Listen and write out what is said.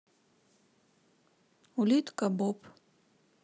улитка боб